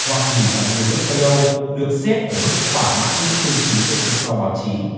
hoa kỳ và nhiều nước tây âu được xếp ở mức thỏa mãn những tiêu chí về tự do báo chí